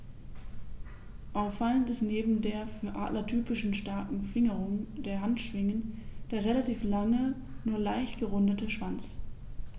Auffallend ist neben der für Adler typischen starken Fingerung der Handschwingen der relativ lange, nur leicht gerundete Schwanz.